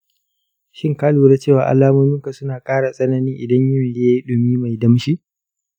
shin ka lura cewa alamominka suna ƙara tsanani idan yanayi ya yi ɗumi mai danshi?